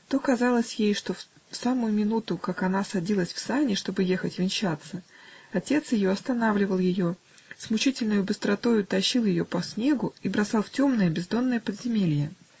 То казалось ей, что в самую минуту, как она садилась в сани, чтоб ехать венчаться, отец ее останавливал ее, с мучительной быстротою тащил ее по снегу и бросал в темное, бездонное подземелие.